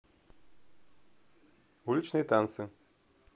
уличные танцы